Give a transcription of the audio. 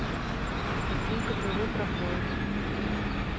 котейка тв про поезд